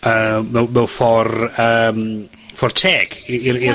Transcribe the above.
yym mew- mewn ffor, yym, ffor teg i i'r i'r...